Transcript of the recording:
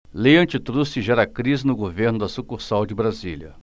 lei antitruste gera crise no governo da sucursal de brasília